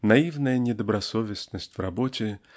наивная недобросовестность в работе